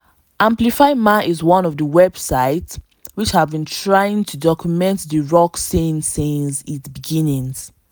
Amplify.ma is one of the websites which have been trying to document the rock scene since its beginnings.